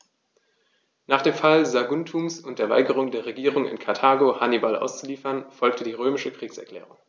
Nach dem Fall Saguntums und der Weigerung der Regierung in Karthago, Hannibal auszuliefern, folgte die römische Kriegserklärung.